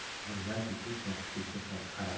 bobur yalt etib yoqubbekka qaradi